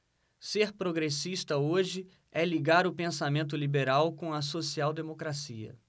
ser progressista hoje é ligar o pensamento liberal com a social democracia